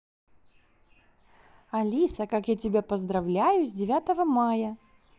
алиса как я тебя поздравляю с девятого мая